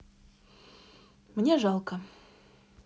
мне жалко